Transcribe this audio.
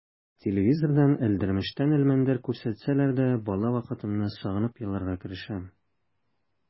Телевизордан «Әлдермештән Әлмәндәр» күрсәтсәләр дә бала вакытымны сагынып еларга керешәм.